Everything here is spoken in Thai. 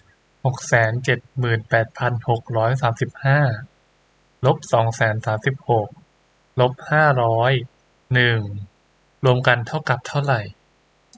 หกแสนเจ็ดหมื่นแปดพันหกร้อยสามสิบห้าลบสองแสนสามสิบหกลบห้าร้อยหนึ่งรวมกันเท่ากับเท่าไหร่